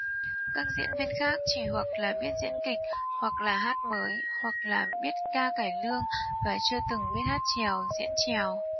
các diễn viên khác chỉ hoặc là biết diễn kịch hoặc là hát mới hoặc là biết ca cải lương và chưa từng biết hát chèo diễn chèo